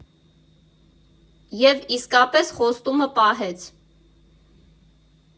Եվ իսկապես, խոստումը պահեց.